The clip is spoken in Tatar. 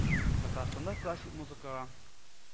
Татарстанда классик музыкага